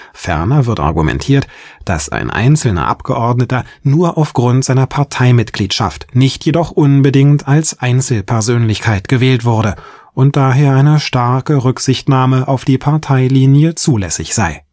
Ferner wird argumentiert, dass ein einzelner Abgeordneter nur aufgrund seiner Parteimitgliedschaft, nicht jedoch unbedingt als Einzelpersönlichkeit gewählt wurde und daher eine starke Rücksichtnahme auf die Parteilinie zulässig sei